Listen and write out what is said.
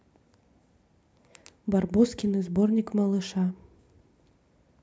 барбоскины сборник малыша